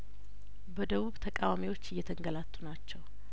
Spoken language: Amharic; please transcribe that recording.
በደቡብ ተቃዋሚዎች እየተንገላቱ ናቸው